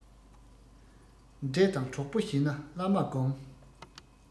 འདྲེ དང གྲོགས པོ བྱེད ན བླ མ སྒོམས